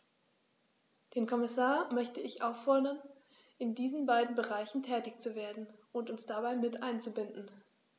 Den Kommissar möchte ich auffordern, in diesen beiden Bereichen tätig zu werden und uns dabei mit einzubinden.